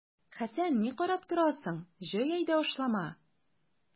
Хәсән, ни карап торасың, җый әйдә ашлама!